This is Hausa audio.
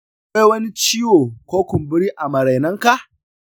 akwai wani ciwo ko kumburi a marainanka?